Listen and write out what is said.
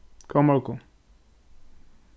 góðan morgun